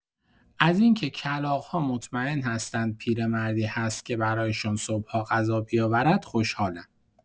از این‌که کلاغ‌ها مطمئن هستند پیرمردی هست که برایشان صبح‌ها غذا بیاورد، خوشحالم.